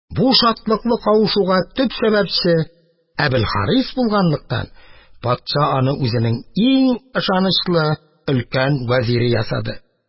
Бу шатлыклы кавышуга төп сәбәпче Әбелхарис булганлыктан, патша аны үзенең иң ышанычлы өлкән вәзире ясады